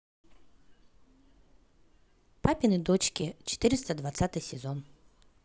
папины дочки четыреста двадцатый сезон